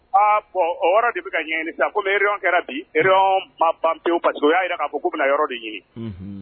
A o yɔrɔ de bɛ ka ɲɛɲini sa kɔmi kɛra bi map pe parce y'a jira ka ko bɛna na yɔrɔ de ɲini